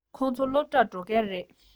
ཁོ ཚོ སློབ གྲྭར འགྲོ མཁན རེད